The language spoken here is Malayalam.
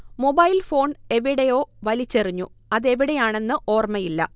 മൊബൈൽ ഫോൺ എവിടെയോ വലിച്ചെറിഞ്ഞു അതെവിടെയാെണന്ന് ഓർമയില്ല